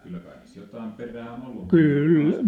kyllä kai niissä jotakin perää on ollut kun niistä